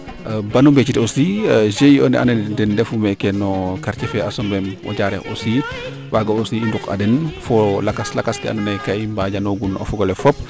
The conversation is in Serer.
banu mbeecit aussi GIE ne ando naye den ndefu meeke no quartier fe a Sombemb o Diarekh aussi waaga aussi i nduq a den fo lakas laks ke ando naye kaa i mbaja noogun o fogole fop